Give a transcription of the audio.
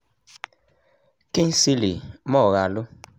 Kingsley Moghalu